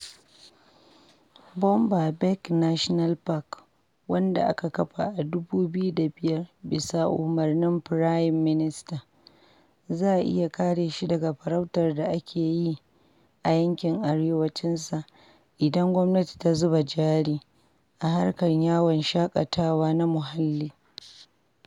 Boumba Bek National Park, wanda aka kafa a 2005 bisa umarnin Firayim Minista. Za a iya kare shi daga farautar da ake yi a yankin arewacin sa idan gwamnati ta zuba jari a harkar yawon shaƙatawa na muhalli.